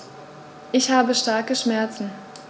Ich habe starke Schmerzen.